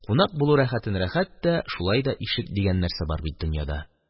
Кунак булу рәхәтен рәхәт тә, шулай да ишек дигән нәрсә бар бит дөньяда